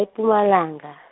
e- Mpumalanga.